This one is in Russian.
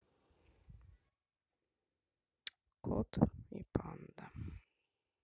кот и панда